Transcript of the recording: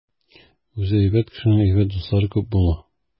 Үзе әйбәт кешенең әйбәт дуслары күп була.